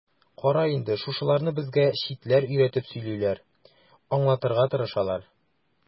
Кара инде, шушыларны безгә читләр өйрәнеп сөйлиләр, аңлатырга тырышалар.